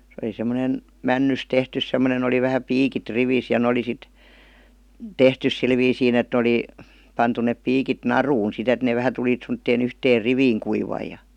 se oli semmoinen männystä tehty semmoinen oli vähän piikit rivissä ja ne oli sitten tehty sillä viisiin että ne oli pantu ne piikit naruun sitten että ne vähän tuli semmoiseen yhteen riviin kuivui ja